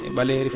e ɓaleeri foof